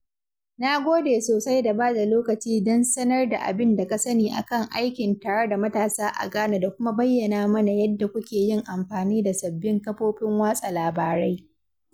Na gode sosai da bada lokaci don sanar da abin da ka sani akan aiki tare da matasa a Ghana da kuma bayyana mana yadda kuke yin amfani da sabbin kafofin watsa labarai.